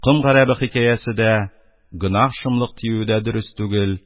Ком гарәбе хикәясе дә, гөнаһ шомлык тиюе дә дөрес түгел,